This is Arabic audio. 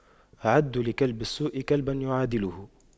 أعدّوا لكلب السوء كلبا يعادله